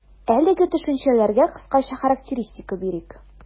Әлеге төшенчәләргә кыскача характеристика бирик.